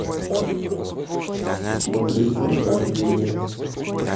смотреть прохождение